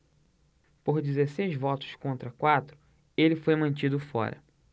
por dezesseis votos contra quatro ele foi mantido fora